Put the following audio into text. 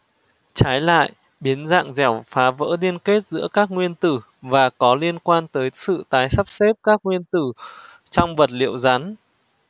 trái lại biến dạng dẻo phá vỡ liên kết giữa các nguyên tử và có liên quan tới sự tái sắp xếp các nguyên tử trong vật liệu rắn